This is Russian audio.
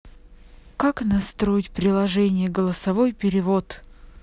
как настроить приложение голосовой перевод